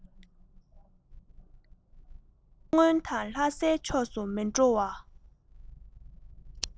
མཚོ སྔོན དང ལྷ སའི ཕྱོགས སུ མི འགྲོ བ